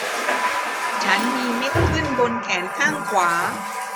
ฉันมีเม็ดขึ้นบนแขนข้างขวา